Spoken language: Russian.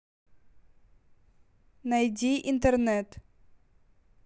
найди интернет